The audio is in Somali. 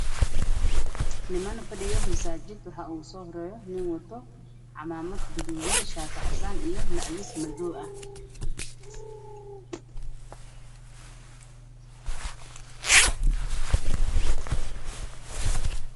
Halkaan waxaa ka muuqdo niman fadhiyo masaajid waxaana ugu horeeyo nin wato cimaamad guduudan iyo shaar cadaan ah